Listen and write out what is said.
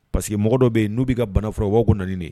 Pa que mɔgɔ dɔ yen n'u'i ka bana fɔrawko naani